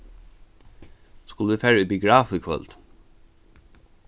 skulu vit fara í biograf í kvøld